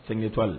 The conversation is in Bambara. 5 étoiles